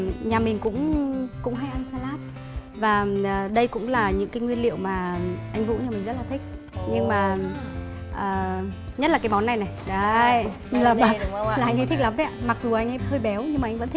nhà mình cũng cũng hay ăn sa lat và đây cũng là những cái nguyên liệu mà anh vũ nhà mình rất là thích nhưng mà à nhất là cái món này này đấy là anh ấy thích lắm đấy ạ mặc dù anh ấy hơi béo nhưng anh vẫn